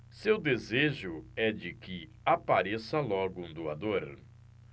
seu desejo é de que apareça logo um doador